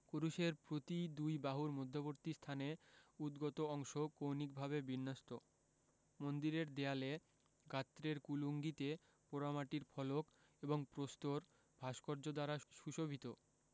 ক্রুশের প্রতি দুই বাহুর মধ্যবর্তী স্থানে উদ্গত অংশ কৌণিকভাবে বিন্যস্ত মন্দিরের দেয়ালে গাত্রের কুলুঙ্গিতে পোড়ামাটির ফলক এবং প্রস্তর ভাস্কর্য দ্বারা সুশোভিত